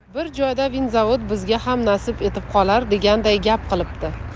bir joyda vinzavod bizga ham nasib etib qolar deganday gap qilibdi